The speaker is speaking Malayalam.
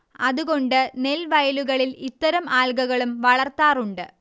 അതുകൊണ്ട് നെൽവയലുകളിൽ ഇത്തരം ആൽഗകളും വളർത്താറുണ്ട്